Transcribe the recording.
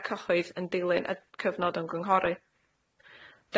y cyhoedd yn dilyn y cyfnod ymgynghori.